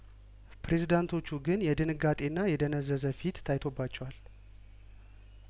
ፕሬዝዳንቶቹ ግን የድንጋጤና የደነዘዘ ፊት ታይቶባቸዋል